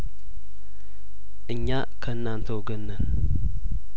እኛ ከናንተ ወገን ነን